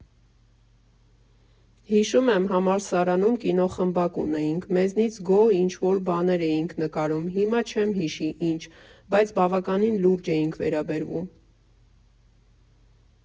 Հիշում եմ՝ համալսարանում կինոխմբակ ունեինք, մեզնից գոհ ինչ֊որ բաներ էինք նկարում, հիմա չեմ հիշի ինչ, բայց բավականին լուրջ էինք վերաբերվում։